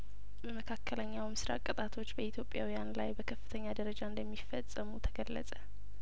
በመካከለኛው ምስራቅ ቅጣቶች በኢትዮጵያውያን ላይ በከፍተኛ ደረጃ እንደሚፈጸሙ ተገለጸ